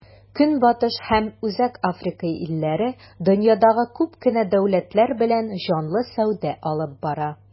Көнбатыш һәм Үзәк Африка илләре дөньядагы күп кенә дәүләтләр белән җанлы сәүдә алып бара.